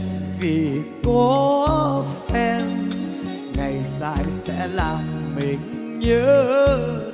vì có em ngày dài sẽ làm mình nhớ